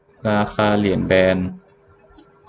ราคาเหรียญแบรนด์